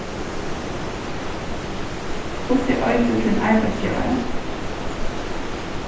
hvussu eitur tín arbeiðsgevari